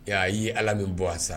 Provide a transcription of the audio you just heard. A ye ala min bɔ a sara